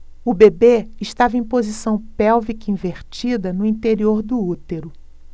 o bebê estava em posição pélvica invertida no interior do útero